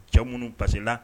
Cɛ minnu pasina